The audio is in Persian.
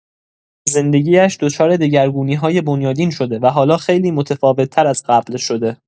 زندگی‌اش دچار دگرگونی‌های بنیادین شده و حالا خیلی متفاوت‌تر از قبل شده.